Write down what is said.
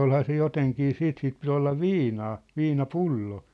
olihan se jotenkin sitten - piti olla viinaa viinapullo